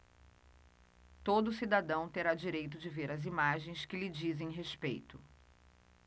todo cidadão terá direito de ver as imagens que lhe dizem respeito